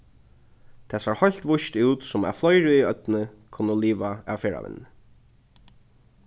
tað sær heilt víst út sum at fleiri í oynni kunnu liva av ferðavinnuni